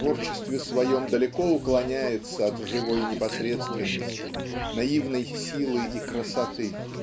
в творчестве своем далеко уклоняется от живой непосредственности наивной силы и красоты.